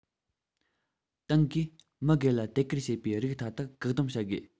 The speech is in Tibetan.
ཏང གིས མི སྒེར ལ དད བཀུར བྱེད པའི རིགས མཐའ དག བཀག སྡོམ བྱ དགོས